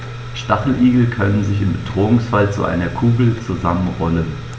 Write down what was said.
Stacheligel können sich im Bedrohungsfall zu einer Kugel zusammenrollen.